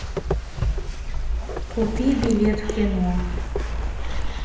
купи билет в кино